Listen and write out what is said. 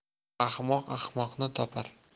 ahmoq ahmoqni topar